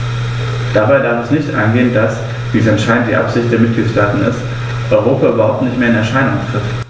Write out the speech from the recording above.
Dabei darf es nicht angehen, dass - wie es anscheinend die Absicht der Mitgliedsstaaten ist - Europa überhaupt nicht mehr in Erscheinung tritt.